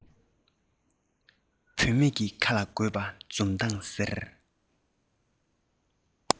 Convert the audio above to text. བུད མེད ཁ ལ དགོས པ འཛུམ མདངས ཟེར